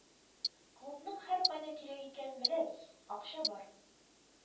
“клубның һәркайда кирәк икәнен беләбез, акча бар